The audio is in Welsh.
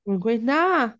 Mae'n gweud na!